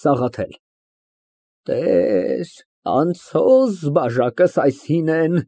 ՍԱՂԱԹԵԼ ֊ Տեր, անցո զբաժակս այս հինեն։